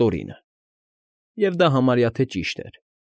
Տորինը, և դա համարյա թե ճիշտ էր։